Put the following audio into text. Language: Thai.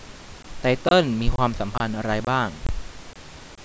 ไตเติ้ลมีความสัมพันธ์อะไรบ้าง